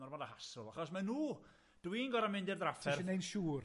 gormod o hassle, achos ma' nw… dwi'n gorfod mynd i'r ddrafferth... Ti isie neu' yn siŵr?